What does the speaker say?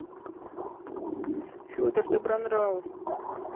федор добронравов